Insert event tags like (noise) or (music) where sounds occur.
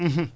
(hesitation) (hesitation)